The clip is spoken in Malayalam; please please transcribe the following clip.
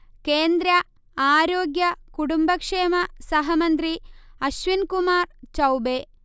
കേന്ദ്ര ആരോഗ്യ-കുടുംബക്ഷേമ സഹമന്ത്രി അശ്വിൻ കുമാർ ചൌബേ